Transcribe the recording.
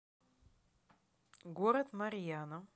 город марьяна